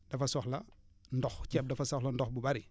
dafa soxla ndox ceeb dafa soxla ndox bu bëri